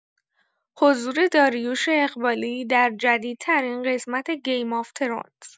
حضور داریوش اقبالی در جدیدترین قسمت گیم آف ترونز